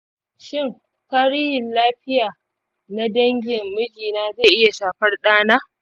shin tarihin lafiya na dangin mijina zai iya shafar ɗana?